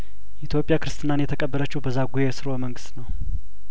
ኢትዮጵያ ክርስትናን የተቀበለችው በዛጔ ስርወ መንግስት ነው